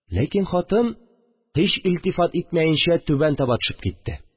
Ләкин хатын һич илтифат итмәенчә түбән таба төшеп китте